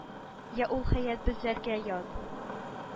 Йә ул хәят безләргә ят...